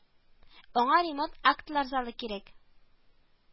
Аңа ремонт, актлар залы кирәк